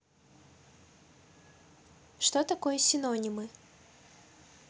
что такое синонимы